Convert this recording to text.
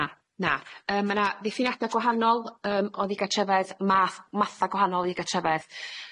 Na na yy ma' 'na ddiffiniada gwahanol yym o ddigartrefedd math- matha gwahanol i ddigartrefedd.